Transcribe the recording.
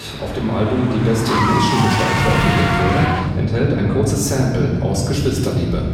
auf dem Die Ärzte-Album Die Bestie in Menschengestalt veröffentlicht wurde, enthält ein kurzes Sample aus „ Geschwisterliebe